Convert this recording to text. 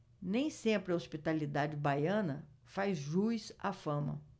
nem sempre a hospitalidade baiana faz jus à fama